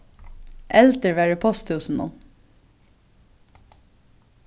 eldur var í posthúsinum